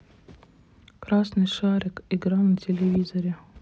красный шарик игра на телевизоре